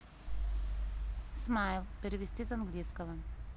smile перевести с английского